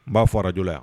N b'a fɔrajjɔ yan